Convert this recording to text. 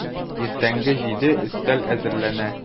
Иртәнге җиде, өстәл әзерләнә.